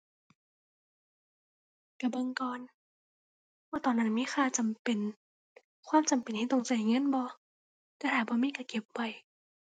ก็เบิ่งก่อนว่าตอนนั้นมีค่าจำเป็น ความจำเป็นที่ต้องก็เงินบ่ แต่ถ้าบ่มีก็เก็บไว้